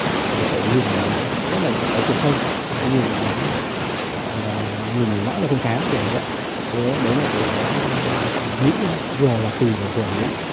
vậy nhìn rất là được có chiều sâu nó nhìn nó nhìn mãi không chán kiểu như vậy thế đấy là kế kế cả mỹ vừa là kỳ và vừa là mỹ